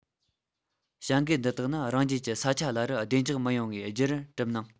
བྱ འགུལ འདི དག ནི རང རྒྱལ གྱི ས ཆ ལ ལར བདེ འཇགས མི ཡོང བའི རྒྱུ རུ གྲུབ སྣང